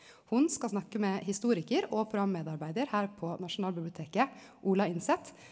ho skal snakke med historikar og programmedarbeidar her på Nasjonalbiblioteket Ola Innset.